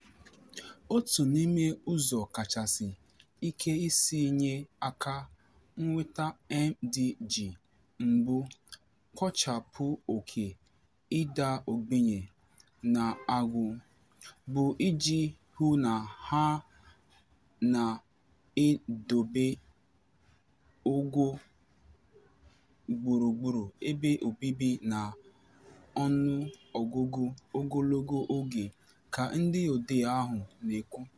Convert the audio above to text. "Otu n'ime ụzọ kachasị ike isi nye aka nweta MDG mbụ - kpochapụ oke ịda ogbenye na agụụ - bụ iji hụ na a na-edobe ogo gburugburu ebe obibi na ọnụọgụgụ ogologo oge," ka ndị odee ahụ na-ekwu.